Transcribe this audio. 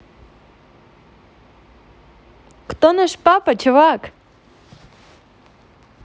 кто наш папа чувак